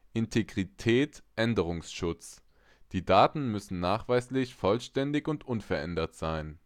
Integrität/Änderungsschutz: Die Daten müssen nachweislich vollständig und unverändert sein